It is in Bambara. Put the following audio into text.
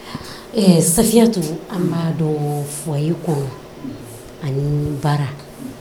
Ɛɛ Safiatou an b'a dɔɔn foyer kɔnɔ ani baara